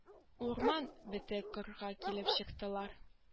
Урман бетте кырга килеп чыктылар